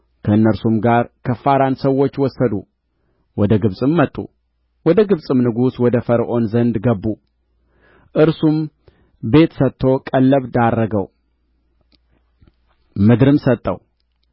ከእነርሱም ጋር ከፋራን ሰዎች ወሰዱ ወደ ግብጽም መጡ ወደ ግብጽም ንጉሥ ወደ ፈርዖን ዘንድ ገቡ እርሱም ቤት ሰጥቶ ቀለብ ዳረገው ምድርም ሰጠው